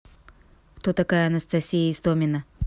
кто такая анастасия истомина